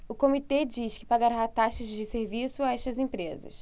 o comitê diz que pagará taxas de serviço a estas empresas